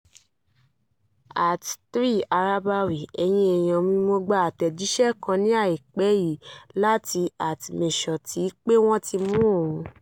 @3arabawy: Ẹ̀yin èèyàn mi, mo gba àtẹ̀jíṣẹ́ kan ní àìpẹ́ yìí láti @msheshtawy pé wọ́n ti mú òun.